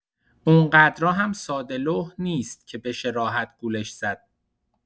اونقدرا هم ساده‌لوح نیست که بشه راحت گولش زد.